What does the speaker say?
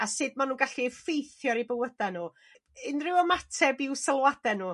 A sud ma' n'w'n gallu effeithio ar i bywyda' n'w? Unrhyw ymateb i'w sylwadau n'w